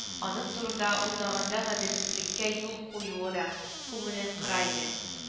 Аның турында уйлаганда гаделсезлеккә юл куюы да күңелен кыра иде